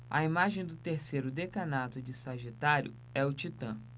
a imagem do terceiro decanato de sagitário é o titã